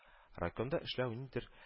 Райкомда эшләү ниндидер